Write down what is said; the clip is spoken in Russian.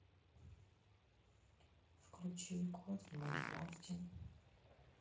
включи кот в майнкрафте